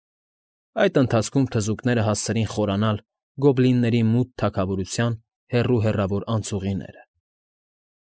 Այդ ընթացքում թզուկները հասցրին խորանալ գոբլինների մութ թագավորության հեռու֊հեռավոր անցուղիները։